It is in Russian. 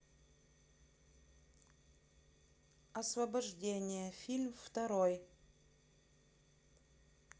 освобождение фильм второй